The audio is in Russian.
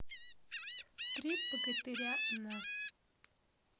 три богатыря на